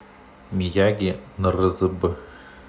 мияги нрзб